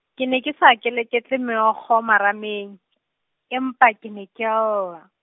ke ne ke sa keleketle meokgo, marameng, empa ke ne ke lla.